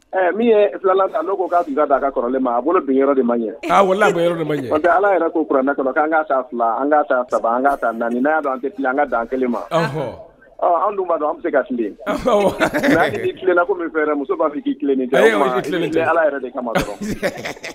Min ye filala da ko k'a' ka kɔrɔlen ma a bolo don yɔrɔ de ma ɲɛ an ala yɛrɛ kouran ka an' ta saba an' ta n'a ya tɛ an ka' an kelen ma dun b'a an se ka nka tilenla min fɛ muso b'a fɔ k'i ala yɛrɛ de kama